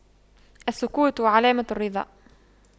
السكوت علامة الرضا